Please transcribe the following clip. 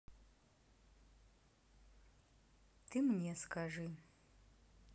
ты мне скажи